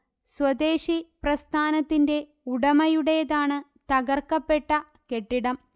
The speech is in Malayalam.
സ്വദേശി പ്രസ്ഥാനത്തിന്റെ ഉടമയുടേതാണ് തകർക്കപ്പെട്ട കെട്ടിടം